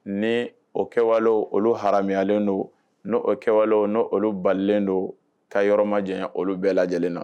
Ni o kɛwalew olu haramuyalen don n'o kɛwalew olu balilen don ka yɔrɔ majanya olu bɛɛ lajɛlen na